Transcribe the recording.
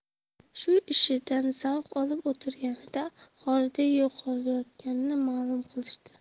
shu ishidan zavq olib o'tirganida xolidiy yo'qlayotganini ma'lum qilishdi